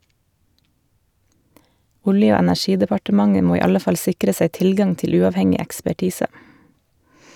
Olje- og energidepartementet må i alle fall sikre seg tilgang til uavhengig ekspertise.